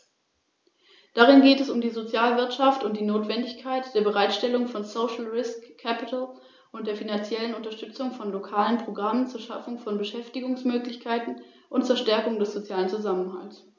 Außerdem belegen Kontrollen in belgischen, finnischen wie auch in japanischen Häfen, dass 50 % der Container mit zum Teil gefährlicher Ladung nicht ordnungsgemäß angeliefert werden.